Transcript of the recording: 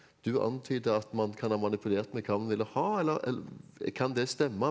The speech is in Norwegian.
du antyder at man kan ha manipulert med hva man ville ha eller kan det stemme?